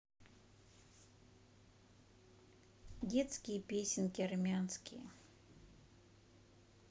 детские песенки армянские